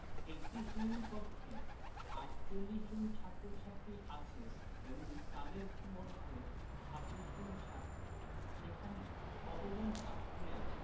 একটি শ্রেণি কক্ষে ৪৮ জন ছাত্ৰছাত্ৰী আছে এবং তাদের মধ্যে ২৬ জন ছাত্র সেখানে কতজন ছাত্রী আছে